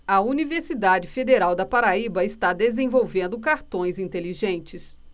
a universidade federal da paraíba está desenvolvendo cartões inteligentes